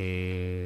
Unhun